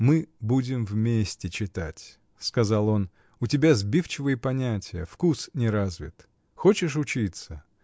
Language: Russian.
— Мы будем вместе читать, — сказал он, — у тебя сбивчивые понятия, вкус не развит. Хочешь учиться?